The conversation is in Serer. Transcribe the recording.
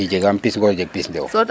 II jegaam pis ngoor jeg pis ndew.